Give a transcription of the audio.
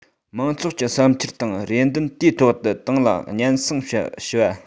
མང ཚོགས ཀྱི བསམ འཆར དང རེ འདུན དུས ཐོག ཏུ ཏང ལ སྙན སེང ཞུ བ